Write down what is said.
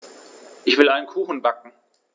Ich will einen Kuchen backen.